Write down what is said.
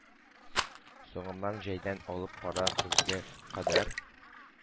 Соңыннан җәйдән алып кара көзгә кадәр